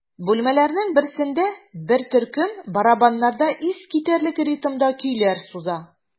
Бүлмәләрнең берсендә бер төркем барабаннарда искитәрлек ритмда көйләр суза.